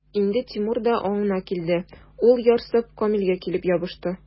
Инде Тимур да аңына килде, ул, ярсып, Камилгә килеп ябышты.